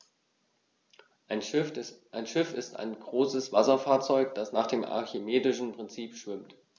Ein Schiff ist ein größeres Wasserfahrzeug, das nach dem archimedischen Prinzip schwimmt.